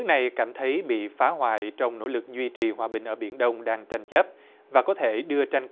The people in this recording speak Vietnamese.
này cảm thấy bị phá hoại trong nỗ lực duy trì hòa bình ở biển đông đang tranh chấp và có thể đưa tranh